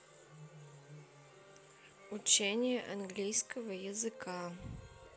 учение английского языка